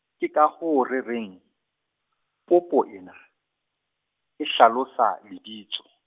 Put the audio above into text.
ke ka hoo re reng, popo ena, e hlalosa, lebitso.